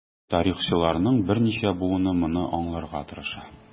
Тарихчыларның берничә буыны моны аңларга тырыша.